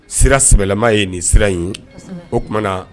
Sira sɛbɛlama ye nin sira in ye, kosɛbɛ, o tuma na